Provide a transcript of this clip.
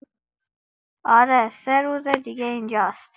آره، سه روز دیگه اینجاست.